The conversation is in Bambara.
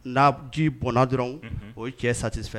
N' ji bɔnna dɔrɔn o ye cɛ sati fɛ